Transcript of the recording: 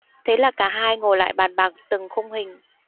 thế là cả hai ngồi lại bàn bạc từng khung hình